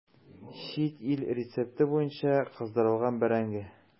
Чит ил рецепты буенча кыздырылган бәрәңге.